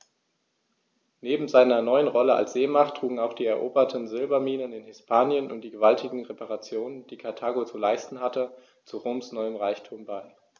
Neben seiner neuen Rolle als Seemacht trugen auch die eroberten Silberminen in Hispanien und die gewaltigen Reparationen, die Karthago zu leisten hatte, zu Roms neuem Reichtum bei.